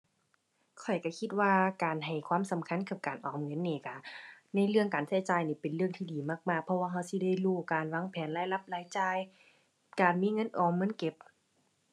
ข้อยก็คิดว่าการให้ความสำคัญกับการออมเงินนี้ก็ ในเรื่องการก็จ่ายนี่เป็นเรื่องที่ดีมากมาก เพราะว่าก็สิได้รู้การวางแผนรายรับรายจ่าย การมีเงินออมเงินเก็บ